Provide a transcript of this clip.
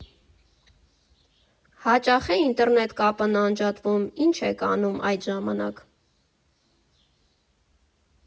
Հաճա՞խ է ինտերնետ կապն անջատվում։ Ի՞նչ եք անում այդ ժամանակ։